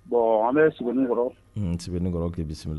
Bon an bɛ Sebeninkɔrɔ, unhun, Sebeninkkɔrɔ k'i bisimila.